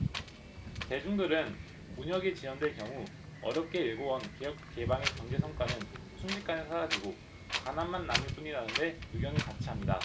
대중들은 문혁이 재연될 경우 어렵게 일궈 온 개혁개방의 경제 성과는 순식간에 사라지고 가난만 남을 뿐이라는데 의견을 같이 합니다